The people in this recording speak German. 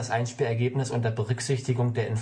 Einspielergebnis unter Berücksichtigung der